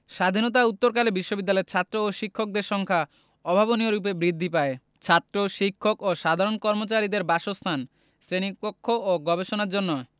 স্বাধীনতা উত্তরকালে বিশ্ববিদ্যালয়ের ছাত্র ও শিক্ষকদের সংখ্যা অভাবনীয়রূপে বৃদ্ধি পায় ছাত্র শিক্ষক ও সাধারণ কর্মচারীদের বাসস্থান শ্রেণীকক্ষ ও গবেষণার জন্য